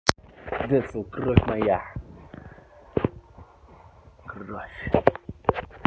децл кровь моя кровь